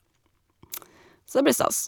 Så det blir stas.